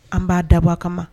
An b' dabɔ kama